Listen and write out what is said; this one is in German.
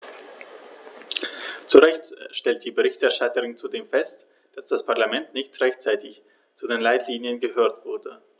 Zu Recht stellt die Berichterstatterin zudem fest, dass das Parlament nicht rechtzeitig zu den Leitlinien gehört wurde.